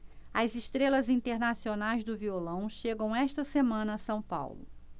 as estrelas internacionais do violão chegam esta semana a são paulo